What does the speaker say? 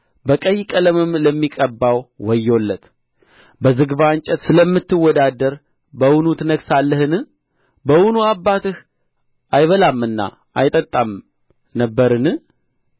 በቀይ ቀለምም ለሚቀባው ወዮለት በዝግባ እንጨት ስለምትወዳደር በውኑ ትነግሣለህን በውኑ አባትህ አይበላምና አይጠጣም ነበርን